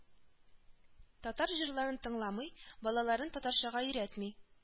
Татар җырларын тыңламый, балаларын татарчага өйрәтми